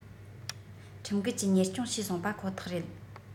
ཁྲིམས འགལ གྱིས གཉེར སྐྱོང བྱས སོང པ ཁོ ཐག རེད